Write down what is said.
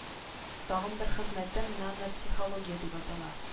Тагын бер хезмәтем нанопсихология дип атала